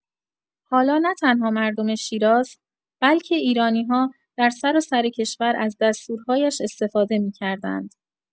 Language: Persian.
حالا نه‌تنها مردم شیراز، بلکه ایرانی‌‌ها در سراسر کشور از دستورهایش استفاده می‌کردند.